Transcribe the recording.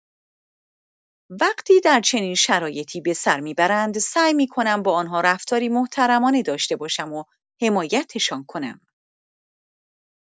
وقتی در چنین شرایطی به سر می‌برند، سعی می‌کنم با آن‌ها رفتاری محترمانه داشته باشم و حمایتشان کنم.